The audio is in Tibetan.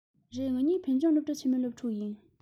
རེད ང གཉིས བོད ལྗོངས སློབ གྲ ཆེན མོའི སློབ ཕྲུག ཡིན